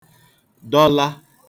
dọla